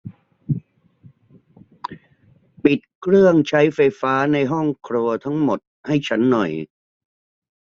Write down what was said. ปิดเครื่องใช้ไฟฟ้าในห้องครัวทั้งหมดให้ฉันหน่อย